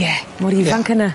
Ie mor ifanc yna.